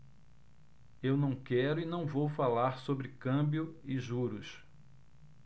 eu não quero e não vou falar sobre câmbio e juros